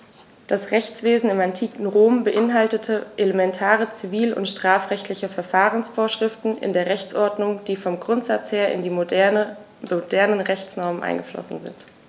Das Rechtswesen im antiken Rom beinhaltete elementare zivil- und strafrechtliche Verfahrensvorschriften in der Rechtsordnung, die vom Grundsatz her in die modernen Rechtsnormen eingeflossen sind.